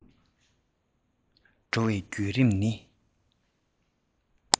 འགྲོ བའི བརྒྱུད རིམ ནི